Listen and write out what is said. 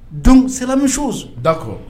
Don sera misiw da kɔ